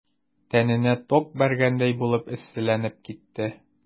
Тәненә ток бәргәндәй булып эсселәнеп китте.